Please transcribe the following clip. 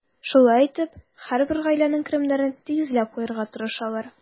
Шулай итеп, һәрбер гаиләнең керемнәрен тигезләп куярга тырышалар.